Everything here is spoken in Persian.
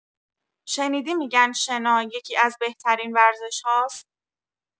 شنیدی می‌گن شنا یکی‌از بهترین ورزش‌هاست؟